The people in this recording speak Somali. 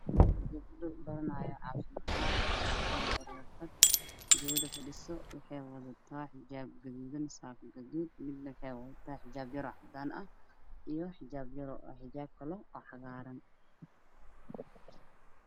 Waa gabdho caafimaad baranayaan mid ay wadato xijaab galmudug mid xijaab caddaan oo dureyso